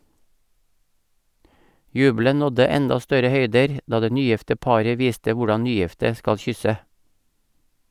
Jubelen nådde enda større høyder da det nygifte paret viste hvordan nygifte skal kysse.